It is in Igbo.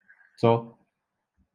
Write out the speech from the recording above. tọ